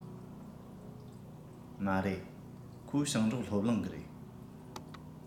མ རེད ཁོ ཞིང འབྲོག སློབ གླིང གི རེད